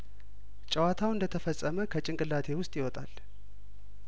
ጨዋታው እንደተፈጸመ ከጭንቅላቴ ውስጥ ይወጣል